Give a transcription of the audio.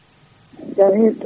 jaam hiiri toon